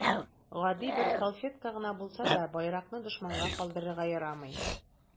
Гади бер салфетка гына булса да, байракны дошманга калдырырга ярамый.